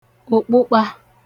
ụ̀kpụkpā